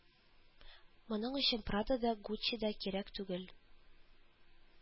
Моның өчен Прадо да, Гуччи да кирәк түгел